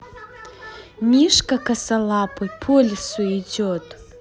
мишка косолапый по лесу идет